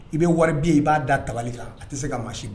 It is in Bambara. I be wari billet i b'a da tabali kan a te se ka